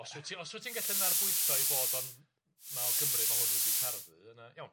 Os wyt ti os wyt ti'n gallu'n narbwyllo i fod o'n ma' o Gymru ma' hwn wedi tarddu yna iawn.